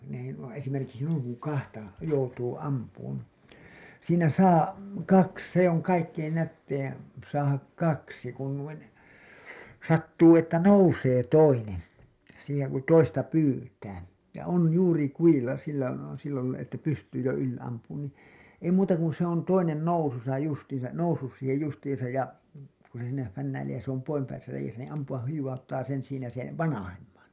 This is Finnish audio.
no ei nuo esimerkiksi noin kun kahta joutuu ampumaan siinä saa kaksi se on kaikkein nätein saada kaksi kun noin sattuu että nousee toinen siihen kun toista pyytää ja on juuri kudilla silloin on sillä lailla että pystyy jo yli ampumaan niin ei muuta kuin se on toinen nousussa justiinsa noussut siihen justiinsa ja kun se siinä fännäilee ja se on poispäin siinä reiässä niin ampua hivauttaa sen siinä sen vanhemman